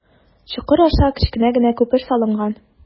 Чокыр аша кечкенә генә күпер салынган.